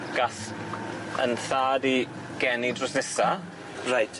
Gath 'tn thad i geni drws nesa. Reit.